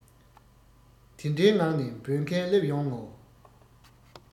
དེ འདྲའི ངང ནས འབོད མཁན སླེབས ཡོང ངོ